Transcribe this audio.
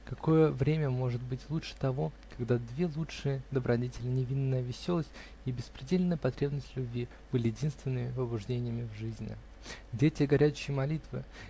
Какое время может быть лучше того, когда две лучшие добродетели -- невинная веселость и беспредельная потребность любви -- были единственными побуждениями в жизни? Где те горячие молитвы?